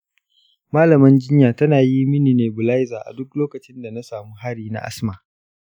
malaman jinya tana yi mini nebulizer a duk lokacin da na samu hari na asma.